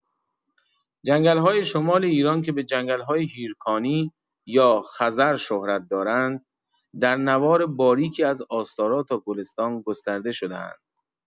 جنگل‌های شمال ایران که به جنگل‌های هیرکانی یا خزر شهرت دارند، در نوار باریکی از آستارا تا گلستان گسترده شده‌اند.